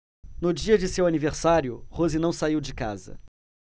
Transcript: no dia de seu aniversário rose não saiu de casa